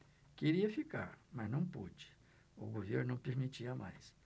queria ficar mas não pude o governo não permitia mais